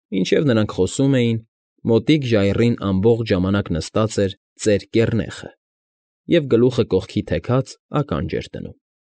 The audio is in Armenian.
Մինչև նրանք խոսում էին, մոտիկ ժայռին ամբողջ ժամանակ նստած էր ծեր կեռնեխը և, գլուխը կողքի թեքած, ականջ էր դնում։